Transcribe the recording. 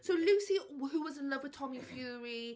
So Lucie, who was in love with Tommy Fury.